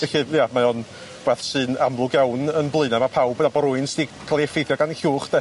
Felly ia mae o'n wbath sy'n amlwg iawn yn Blaena' ma' pawb yn nabod rywun sy 'di ca'l ei effeithio gan y llwch de.